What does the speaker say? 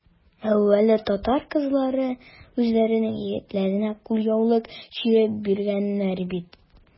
Әүвәле татар кызлары үзләренең егетләренә кулъяулык чигеп биргәннәр бит.